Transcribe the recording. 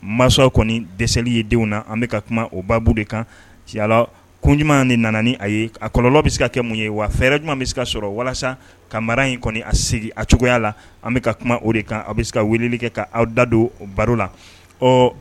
masa kɔni dɛsɛ ye denw na an bɛ ka kuma obabu de kan siyala kun ɲumanuma ni na a ye a kɔlɔlɔ bɛ se ka kɛ mun ye wa fɛɛrɛ ɲuman bɛ ka sɔrɔ walasa ka mara in kɔni a sigi a cogoya la an bɛ ka kuma o de kan a bɛ se ka wulili kɛ ka aw da don baro la ɔ